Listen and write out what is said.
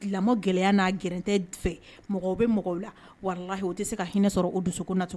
Lamɔ gɛlɛyaya n'a gɛlɛn tɛ mɔgɔ bɛ mɔgɔ la warala o tɛ se ka hinɛinɛ sɔrɔ o dusu na tuguni